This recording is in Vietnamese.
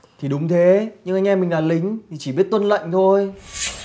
thì đúng thế nhưng anh em mình là lính thì chỉ biết tuân lệnh thôi